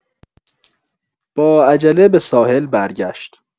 با عجله به ساحل برگشت.